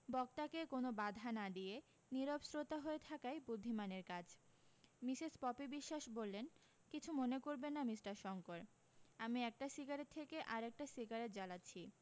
বক্তাকে কোনো বাধা না দিয়ে নীরব শ্রোতা হয়ে থাকাই বুদ্ধিমানের কাজ মিসেস পপি বিশ্বাস বললেন কিছু মনে করবেন না মিষ্টার শংকর আমি একটা সিগারেট থেকে আর একটা সিগারেট জবালাচ্ছি